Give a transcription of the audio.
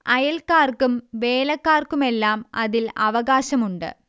അയൽക്കാർക്കും വേലക്കാർക്കുമെല്ലാം അതിൽ അവകാശമുണ്ട്